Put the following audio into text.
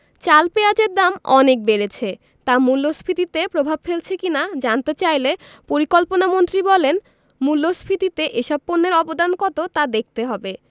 চাল পেঁয়াজের দাম অনেক বেড়েছে তা মূল্যস্ফীতিতে প্রভাব ফেলছে কি না জানতে চাইলে পরিকল্পনামন্ত্রী বলেন মূল্যস্ফীতিতে এসব পণ্যের অবদান কত তা দেখতে হবে